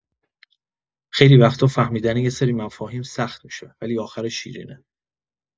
خیلی وقتا فهمیدن یه سری مفاهیم سخت می‌شه، ولی آخرش شیرینه.